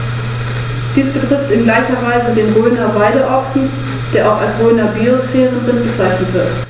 Das Rechtswesen im antiken Rom beinhaltete elementare zivil- und strafrechtliche Verfahrensvorschriften in der Rechtsordnung, die vom Grundsatz her in die modernen Rechtsnormen eingeflossen sind.